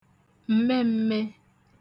m̀memme